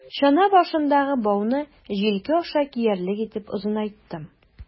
Чана башындагы бауны җилкә аша киярлек итеп озынайттым.